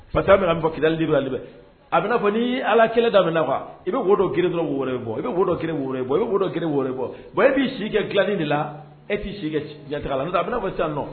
Parce que an bɛ min fɔ kidali a bɛ i n'a fɔ ni Ala kɛlɛ da minɛ na quoi _ i bɛ wo dɔ gere dɔrɔn, wo wɛrɛ bɛ bɔ, i bɛ wo dɔ gere, wo wɛrɛ bɛ bɔ, i bɛ wo dɔ gere, wo wɛrɛ bɛ bɔ. Bon e b'i si kɛ dilanni de la ,e t'i si kɛ ɲɛtaa la. N'o tɛ a bɛ i n'a fɔ sisan nɔ